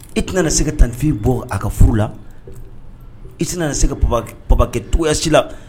I tɛna se ka tanfin bɔ a ka furu la i tɛna se ka pa kɛ toyasi la